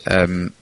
Yym...